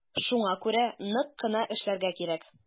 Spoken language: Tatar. Шуңа күрә нык кына эшләргә кирәк.